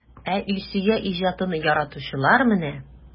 Ә Илсөя иҗатын яратучылар менә!